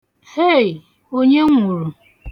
Hei! onye nwụrụ?